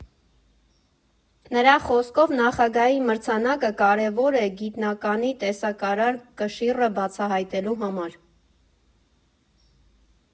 Նրա խոսքով, Նախագահի մրցանակը կարևոր է գիտնականի տեսակարար կշիռը բացահայտելու համար։